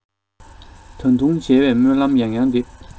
ད དུང མཇལ བའི སྨོན ལམ ཡང ཡང འདེབས